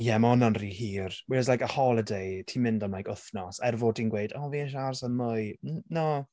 Ie mae hwnna'n ry hir whereas like a holiday ti'n mynd am like wythnos er fod ti'n gweud "o fi isie aros am mwy" mm no.